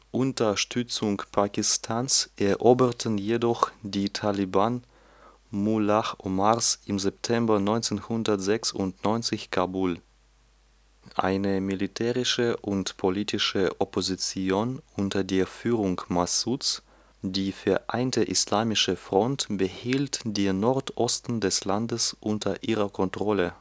Unterstützung Pakistans eroberten jedoch die Taliban Mullah Omars im September 1996 Kabul. Eine militärische und politische Opposition unter der Führung Massouds, die Vereinte Islamische Front behielt den Nordosten des Landes unter ihrer Kontrolle